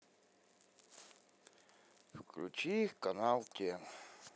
включи канал тен